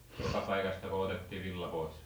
joka paikastako otettiin villa pois